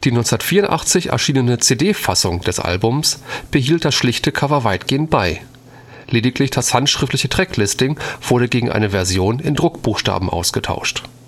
1984 erschienene CD-Fassung des Albums behielt das schlichte Cover weitgehend bei. Lediglich das handschriftliche Tracklisting wurde gegen eine Version in Druckbuchstaben ausgetauscht